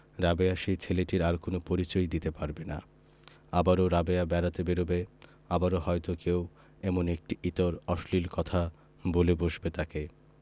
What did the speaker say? রাবেয়া সেই ছেলেটির আর কোন পরিচয়ই দিতে পারবে না আবারও রাবেয়া বেড়াতে বেরুবে আবারো হয়তো কেউ এমনি একটি ইতর অশ্লীল কথা বলে বসবে তাকে